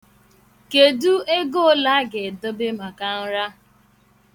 Kedụ ego ole a ga-edobe maka nra?